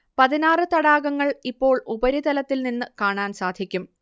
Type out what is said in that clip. പതിനാറ് തടാകങ്ങൾ ഇപ്പോൾ ഉപരിതലത്തിൽ നിന്ന് കാണാൻ സാധിക്കും